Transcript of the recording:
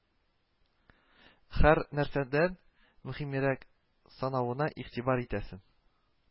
Һәр нәрсәдән мөһимрәк санавына игътибар итәсең